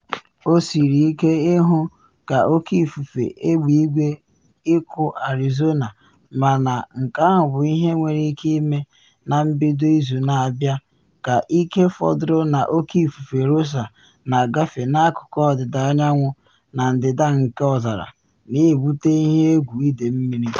O siri ike ịhụ ka oke ifufe egbe-igwe ịkụ Arizona, mana nke ahụ bụ ihe nwere ike ịme na mbido izu na abịa ka ike fọdụrụ na Oke Ifufe Rosa na agafe n’akụkụ Ọdịda Anyanwụ na Ndịda nke Ọzara, na ebute ihe egwu ide mmiri.